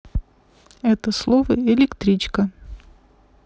это слово электричка